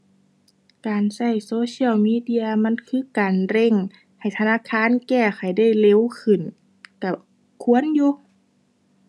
การใช้ social media มันคือการเร่งให้ธนาคารแก้ไขได้เร็วขึ้น ใช้ควรอยู่